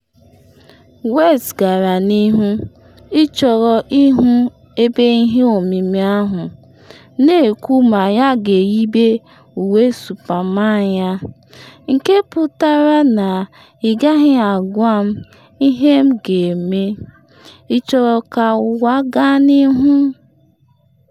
West gara n’ihu. “Ị chọrọ ịhụ ebe ihe omimi ahụ?” na-ekwu na ya ga-eyibe uwe superman ya, nke pụtara na ịgaghị agwa m ihe m ga-eme. Ị chọrọ ka ụwa gaa n’ihu?